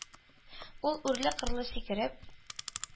Ул үрле-кырлы сикереп,